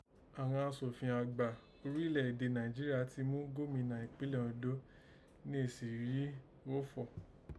Àghan asòfin àgbà orílẹ̀ èdè Nàìjíríà ti mú Gómìnà ìpínlẹ̀ Òǹdó nèsì rẹ̀ yìí gho fọ̀